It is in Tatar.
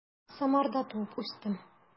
Самарда туып үстем.